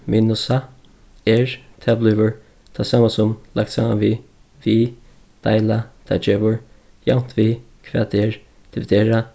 minusa er tað blívur tað sama sum lagt saman við við deila tað gevur javnt við hvat er dividera